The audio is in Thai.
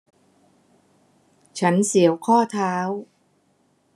ฉันเสียวข้อเท้า